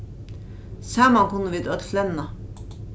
saman kunnu vit øll flenna